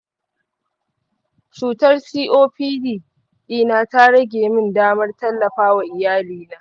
cutar copd dina ta rage min damar tallafawa iyalina.